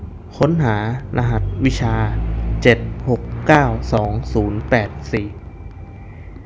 ค้นหารหัสวิชาเจ็ดหกเก้าสองศูนย์แปดสี่